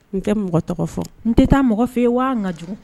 N ka mɔgɔ tɔgɔ fɔ n tɛ taa mɔgɔ fɛ yen waa n ka kojugu